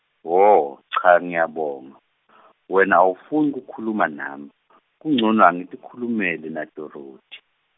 wo cha ngiyabona , wena awufuni kukhuluma nami , kuncono angitikhulumele naDorothi.